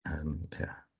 Yym ia.